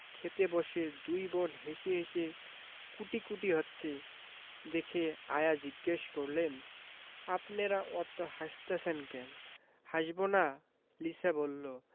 খেতে বসে দুই বোন হেসে হেসে কুটিকুটি হচ্ছে দেখে আয়া জিজ্ঞেস করলেন আপনেরা অত হাসতাসেন ক্যান হাসবোনা লিসা বললো